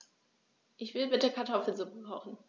Ich will bitte Kartoffelsuppe kochen.